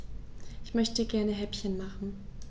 Ich möchte gerne Häppchen machen.